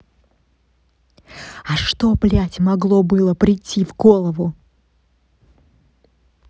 а что блядь могло было прийти в голову